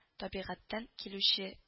Табигатьтән килүче